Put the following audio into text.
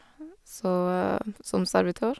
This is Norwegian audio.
så Som servitør.